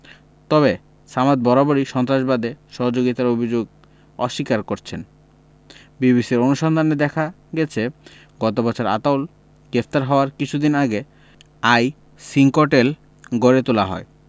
তবে সামাদ বারবারই সন্ত্রাসবাদে সহযোগিতার অভিযোগ অস্বীকার করছেন বিবিসির অনুসন্ধানে দেখা গেছে গত বছর আতাউল গেপ্তার হওয়ার কিছুদিন আগে আইসিংকটেল গড়ে তোলা হয়